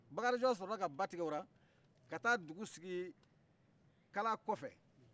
bakarijan sɔrɔla ka ba tigɛ o la ka taa dugu sigi kala kɔfɛ